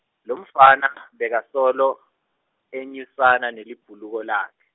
lomfana, bekasolo, enyusana nelibhuluko lakhe.